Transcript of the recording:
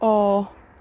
o